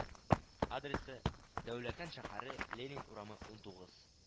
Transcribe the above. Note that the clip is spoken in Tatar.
Адресы: Дәүләкән шәһәре, Ленин урамы, унтугыз